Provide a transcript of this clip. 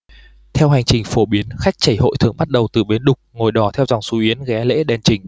theo hành trình phổ biến khách trẩy hội thường bắt đầu từ bến đục ngồi đò theo dòng suối yến ghé lễ đền trình